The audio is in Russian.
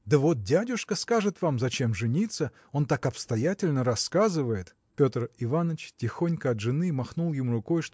Да вот дядюшка скажет вам, зачем жениться он так обстоятельно рассказывает. Петр Иваныч тихонько от жены махнул ему рукой